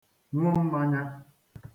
nwụ mmānyā